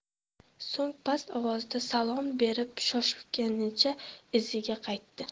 so'ng past ovozda salom berib shoshganicha iziga qaytdi